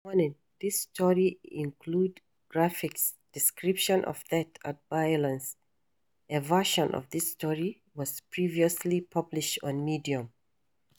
Warning: this story includes graphic descriptions of death and violence. A version of this story was previously published on Medium.